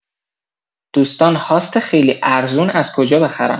دوستان هاست خیلی ارزون از کجا بخرم؟